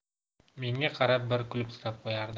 menga qarab bir kulimsirab qo'yardi